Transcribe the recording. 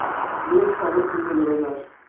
do'st og'ir kunda bilinar